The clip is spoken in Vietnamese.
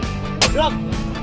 đồng